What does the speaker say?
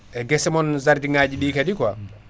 e guesse mon jardiŋaji ɗi kaadi quoi